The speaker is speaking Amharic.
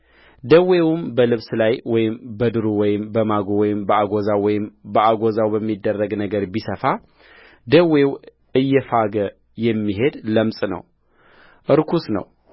ደዌውም በልብስ ላይ ወይም በድሩ ወይም በማጉ ወይም በአጐዛው ወይም ከአጐዛው በሚደረግ ነገር ቢሰፋ ደዌው እየፋገ የሚሄድ ለምጽ ነው ርኩስ ነው